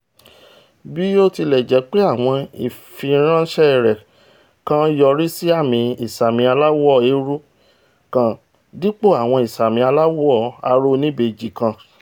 Botilẹjepe, àwọn ìfiránṣẹ́ rẹ̀, kàn yọrísí àmì ìṣàmi aláwọ̀ eérú kan, dípò àwọn ìṣàmì aláwọ̀ aró oníbejì kan.